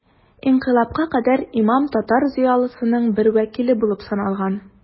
Инкыйлабка кадәр имам татар зыялысының бер вәкиле булып саналган.